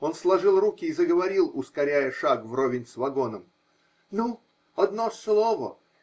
он сложил руки и заговорил, ускоряя шаг вровень с вагоном: -- Ну? Одно слово.